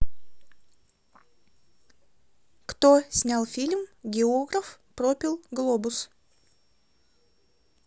кто снял фильм географ пропил глобус